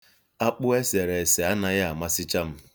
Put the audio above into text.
Akpụ e sere ese anaghị amasịcha m.